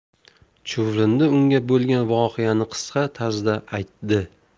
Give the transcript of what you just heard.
chuvrindi unga bo'lgan voqeani qisqa tarzda aytdi